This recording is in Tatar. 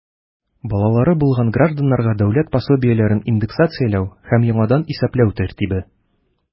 Балалары булган гражданнарга дәүләт пособиеләрен индексацияләү һәм яңадан исәпләү тәртибе.